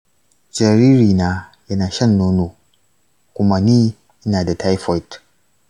jaririna yana shan nono kuma ni ina da taifoid.